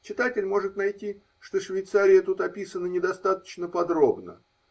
Читатель может найти, что Швейцария тут описана недостаточно подробно.